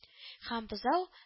Һәм бозау